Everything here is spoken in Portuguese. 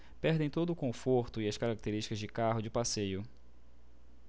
perdem todo o conforto e as características de carro de passeio